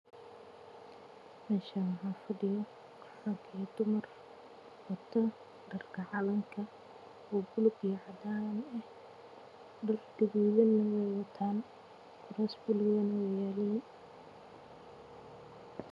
Meeshaan waxaa ku jiro rag iyo dumar wata dharka calanka baluug iyo cadaan